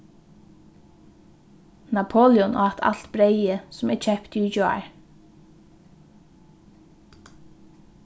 napoleon át alt breyðið sum eg keypti í gjár